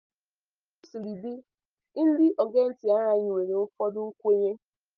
Ka o siri dị, ndị ogee ntị anyị nwere ụfọdụ nkwenye...